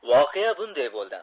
voqea bunday bo'ldi